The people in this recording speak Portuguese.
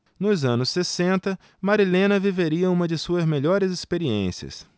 nos anos sessenta marilena viveria uma de suas melhores experiências